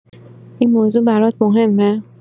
این موضوع برات مهمه؟